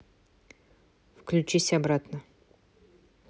включись обратно